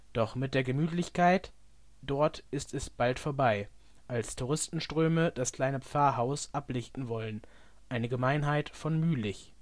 Doch mit der Gemütlichkeit dort ist es bald vorbei, als Touristenströme das kleine Pfarrhaus ablichten wollen, eine Gemeinheit von Mühlich